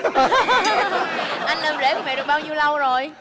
anh làm rể của mẹ được bao nhiêu lâu rồi